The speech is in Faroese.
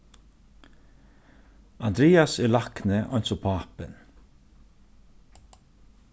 andrias er lækni eins og pápin